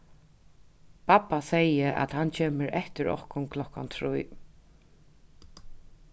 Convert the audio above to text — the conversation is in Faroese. babba segði at hann kemur eftir okkum klokkan trý